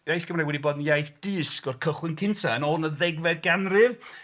Mae'r iaith Gymraeg wedi bod yn iaith dysg o'r cychwyn cyntaf yn ôl yn y ddegfed ganrif.